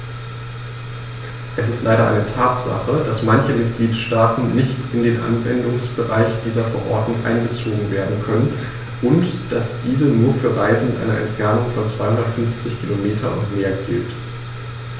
Es ist leider eine Tatsache, dass manche Mitgliedstaaten nicht in den Anwendungsbereich dieser Verordnung einbezogen werden können und dass diese nur für Reisen mit einer Entfernung von 250 km oder mehr gilt.